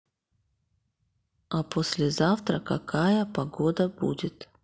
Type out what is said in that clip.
а послезавтра какая погода будет